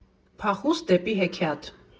Փախուստ դեպի հեքիաթ։